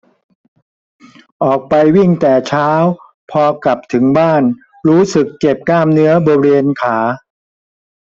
ออกไปวิ่งแต่เช้าพอกลับถึงบ้านรู้สึกเจ็บกล้ามเนื้อบริเวณขา